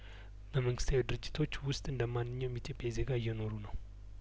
በመንግስታዊ ድርጅቶች ውስጥ እንደማንኛውም የኢትዮጵያ ዜጋ እየኖሩ ነው